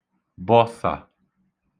bọsà